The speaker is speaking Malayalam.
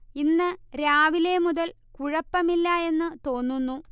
ഇന്ന് രാവിലെ മുതൽ കുഴപ്പമില്ല എന്ന് തോന്നുന്നു